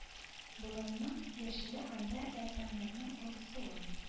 Болынның яшеле анда ә таңнарның алсуы